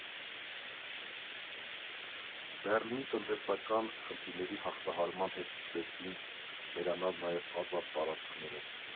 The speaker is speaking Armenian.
Բեռլինի տնտեսական խնդիրների հաղթահարման հետ սկսեցին վերանալ նաև ազատ տարածքները.